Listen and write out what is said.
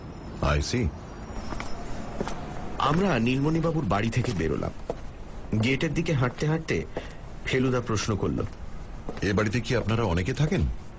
I see আমরা নীলমণিবাবুর বাড়ি থেকে বেরোলাম গেটের দিকে হাঁটতে হাঁটতে ফেলুদা প্রশ্ন করল এ বাড়িতে কি আপনারা অনেকে থাকেন